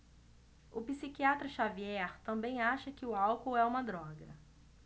o psiquiatra dartiu xavier também acha que o álcool é uma droga